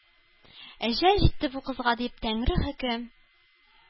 «әҗәл җитте бу кызга!»— дип, тәңре хөкем